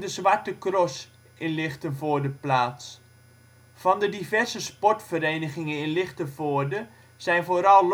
Zwarte Cross in Lichtenvoorde plaats. Van de diverse sportverenigingen in Lichtenvoorde zijn vooral